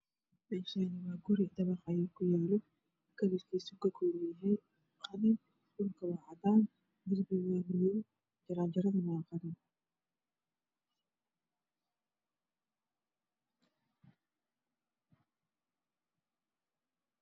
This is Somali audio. Meeshaani waa guri dabaq ayaa kalarkisa ka kooban yahay dhulka waa cadaan darbiga waa huruud jaraanjarada waa qalin